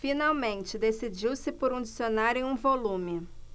finalmente decidiu-se por um dicionário em um volume